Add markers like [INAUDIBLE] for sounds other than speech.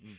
[HESITATION] [HESITATION]